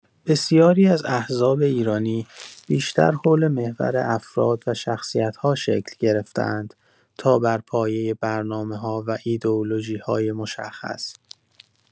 بسیاری از احزاب ایرانی بیشتر حول محور افراد و شخصیت‌ها شکل گرفته‌اند تا بر پایه برنامه‌‌ها و ایدئولوژی‌های مشخص.